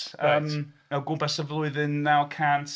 Reit. O gwympas y flwyddyn naw cant.